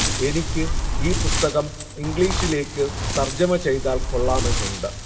ഈ പുസ്തകം ഇംഗ്ലീഷിലേക്ക് തർജ്ജമ ചെയ്താൽ കൊള്ളാമെന്നുണ്ട്